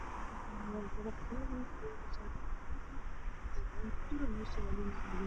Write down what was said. Waa shati surwaal cagaar ah waxaa ag yaalo kawabaabula cadaan ah mise saaran yihiin